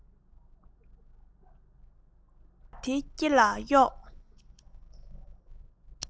ཁ བཏགས དེ སྐེ ལ གཡོགས